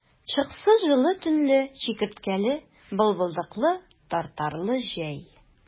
Чыксыз җылы төнле, чикерткәле, бытбылдыклы, тартарлы җәй!